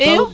iyo